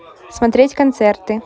смотреть концерты